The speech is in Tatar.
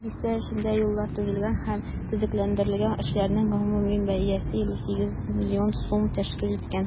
Бистә эчендә юллар төзелгән һәм төзекләндерелгән, эшләрнең гомуми бәясе 58,8 миллион сум тәшкил иткән.